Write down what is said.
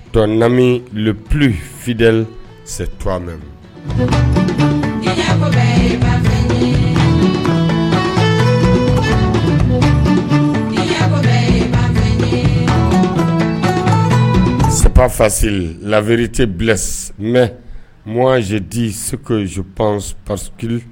Tɔn nami p fi sɛ tuma mɛn ba sabafasi labiriti bila mɛ mɔnsee di segu zop paski